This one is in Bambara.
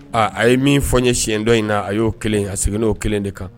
Aa a ye min fɔ ye siɲɛ dɔ in na, a y'o kelen a segin n'o kelen de kan!